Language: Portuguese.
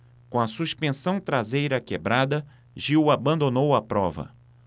com a suspensão traseira quebrada gil abandonou a prova